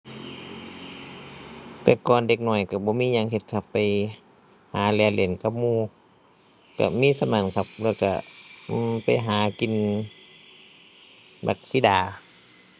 แต่ก่อนเด็กน้อยก็บ่มีหยังเฮ็ดครับ ไปหาแล่นเล่นกับหมู่ ก็มีส่ำนั้นครับ แล้วก็ อือ ไปหากินบักสีดา